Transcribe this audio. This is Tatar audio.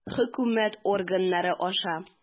Хөкүмәт органнары аша.